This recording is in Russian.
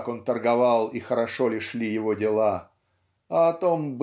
как он торговал и хорошо ли шли его дела а о том